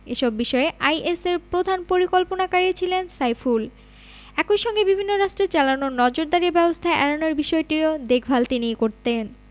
এসব বিষয়ে আইএসের প্রধান পরিকল্পনাকারী ছিলেন সাইফুল একই সঙ্গে বিভিন্ন রাষ্ট্রের চালানো নজরদারি ব্যবস্থা এড়ানোর বিষয়টিও দেখভাল তিনিই করতেন